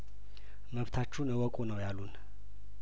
መብታችሁን እወቁ ነው ያሉን